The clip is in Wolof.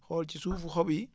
xool ci suufu xob yi